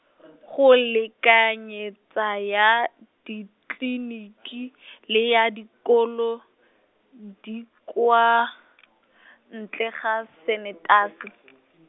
go lekanyetsa ya ditliniki , le ya dikolo, di kwa , ntle ga sanetasi.